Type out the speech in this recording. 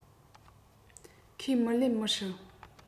ཁས མི ལེན མི སྲིད